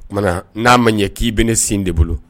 O tuma n'a ma ɲɛ k'i bɛ ne sin de bolo